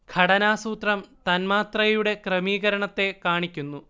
ഘടനാസൂത്രം തന്മാത്രയുടെ ക്രമീകരണത്തെ കാണിക്കുന്നു